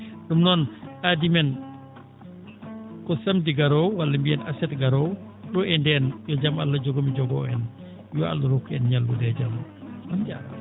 Ɗum noon aadi men ko samedi garoowo walla mbiyen aset garoowo ɗoo e ndeen yo jam Allah jogo mi jogoo en yo Allah rokku en ñallude e jam on njaaraama